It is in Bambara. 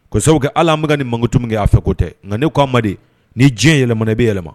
Ko sababu kɛ hala an bɛ ka ni mankutu min kɛ a fɛ kotɛ nka ne ko a ma de ni diɲɛ yɛlɛma na i bɛ yɛlɛma